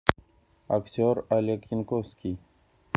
актер олег янковский